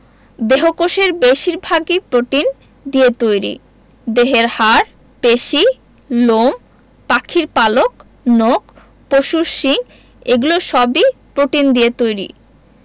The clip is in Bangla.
দেহকোষের বেশির ভাগই প্রোটিন দিয়ে তৈরি দেহের হাড় পেশি লোম পাখির পালক নখ পশুর শিং এগুলো সবই প্রোটিন দিয়ে তৈরি